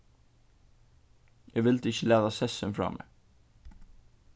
eg vildi ikki lata sessin frá mær